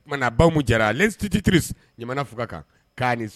O tumana ba Umu Jara l'institutrice Ɲamana fuga kan, k'a ni